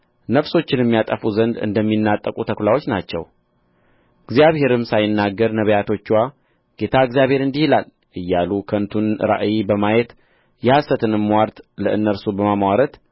ነፍሶችንም ያጠፉ ዘንድ እንደሚናጠቁ ተኵላዎች ናቸው እግዚአብሔርም ሳይናገር ነቢያቶችዋ ጌታ እግዚአብሔር እንዲህ ይላል እያሉ ከንቱን ራእይ በማየት የሐሰትንም ምዋርት ለእነርሱ በማምዋረት